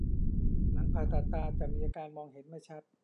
หลังผ่าตัดตาจะมีอาการการมองเห็นไม่ชัด